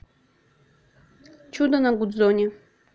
чудо на гудзоне